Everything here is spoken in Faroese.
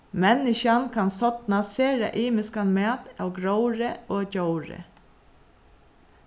menniskjan kann sodna sera ymiskan mat av gróðri og djóri